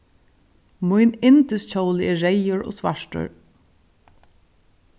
mín yndiskjóli er reyður og svartur